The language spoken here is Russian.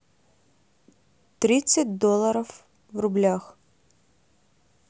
тридцать долларов в рублях